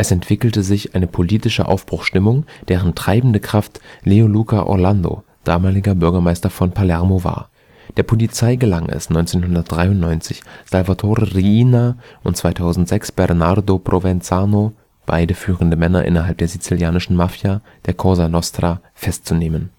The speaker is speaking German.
entwickelte sich eine politische Aufbruchstimmung, deren treibende Kraft Leoluca Orlando, damaliger Bürgermeister von Palermo, war. Der Polizei gelang es, 1993 Salvatore Riina und 2006 Bernardo Provenzano, beide führende Männer innerhalb der sizilianischen Mafia, der Cosa Nostra, festzunehmen